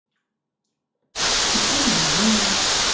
фильм няня